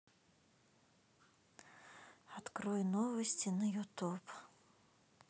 открой новости на ютуб